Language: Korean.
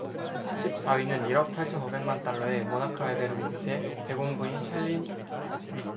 십 사 위는 일 억 팔천 오백 만 달러의 모나코 알베르 이 세 대공 부인 샬린 위트스톡이 차지했다